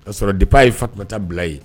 Kaa sɔrɔ dep'a ye fa tun taa bila ye